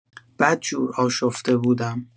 بدجور آشفته بودم.